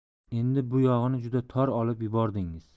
endi bu yog'ini juda tor olib yubordingiz